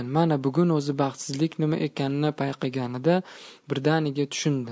mana bugun o'zi baxtsizlik nima ekanini payqaganida birdaniga tushundi